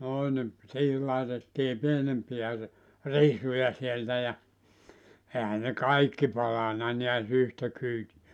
noin niin siihen laitettiin pienempiä - risuja sieltä ja eihän ne kaikki palanut näet yhtä kyytiä